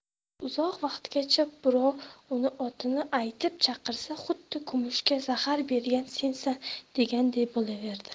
uzoq vaqtgacha birov uni otini aytib chaqirsa xuddi kumushga zahar bergan sensan deganday bo'laverdi